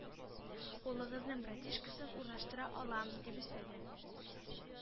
Улыгызның братишкасын урнаштыра алам дип өстәде.